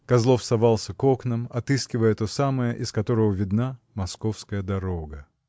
Козлов совался к окнам, отыскивая то самое, из которого видна московская дорога.